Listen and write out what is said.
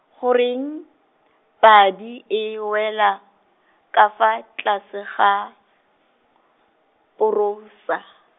goreng, padi e wela, ka fa tlase ga, porosa.